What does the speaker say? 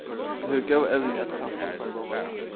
tú hevur góð evni at samskifta